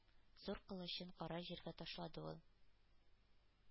Зур кылычын кара җиргә ташлады ул;